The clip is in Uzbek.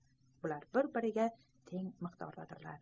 bular bir biriga teng miqdorlardir